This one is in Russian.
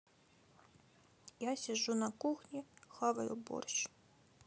я сижу на кухне хаваю борщ